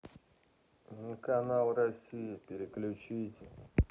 на канал россия переключите